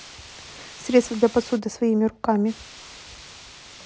средство для посуды своими руками